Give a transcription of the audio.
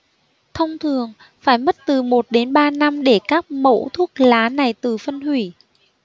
thông thường phải mất từ một đến ba năm để các mẩu thuốc lá này tự phân hủy